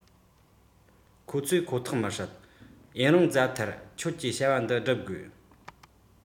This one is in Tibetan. ཁོ ཚོས ཁོ ཐག མི སྲིད ཡུན རིང བཙལ མཐར ཁྱོད ཀྱིས བྱ བ འདི བསྒྲུབ དགོས